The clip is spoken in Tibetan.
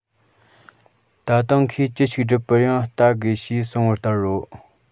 ད དུང ཁོས ཅི ཞིག བསྒྲུབ པར ཡང བལྟ དགོས ཞེས གསུངས པ ལྟར རོ